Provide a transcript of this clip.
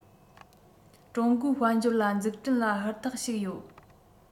ཀྲུང གོའི དཔལ འབྱོར ལ འཛུགས སྐྲུན ལ ཧུར ཐག ཞུགས ཡོད